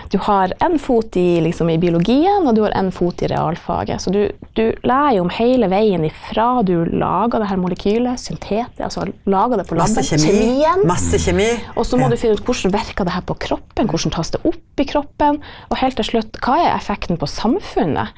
du har én fot i liksom i biologien, og du har én fot i realfaget, så du du lærer jo om heile veien ifra du lager det her molekylet altså lager det på labben kjemien og så må du finne ut hvordan virker det her på kroppen, hvordan tas det opp i kroppen og heilt til slutt, hva er effekten på samfunnet?